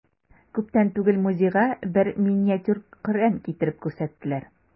Күптән түгел музейга бер миниатюр Коръән китереп күрсәттеләр.